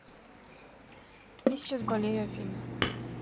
я сейчас болею афина